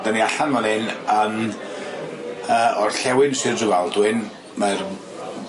'Dan ni allan fan hyn yn yy orllewin Sir Dryfaldwyn ma'r